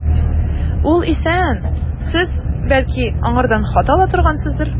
Ул исән, сез, бәлки, аңардан хат ала торгансыздыр.